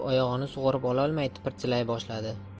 oyog'ini sug'urib ololmay tipirchilay boshladi